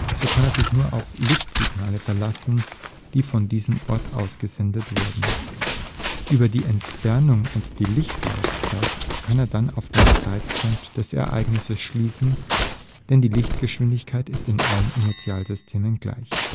so kann er sich nur auf Lichtsignale verlassen, die von diesem Ort ausgesendet wurden. Über die Entfernung und die Lichtlaufzeit kann er dann auf den Zeitpunkt des Ereignisses schließen, denn die Lichtgeschwindigkeit ist in allen Inertialsystemen gleich